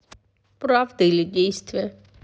правда или действие